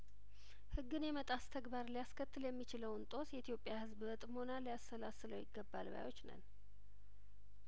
ህግን የመጣስ ተግባር ሊያስከትል የሚችለውን ጦስ የኢትዮጵያ ህዝብ በጥሞና ሊያሰላ ስለው ይገባል ባዮች ነን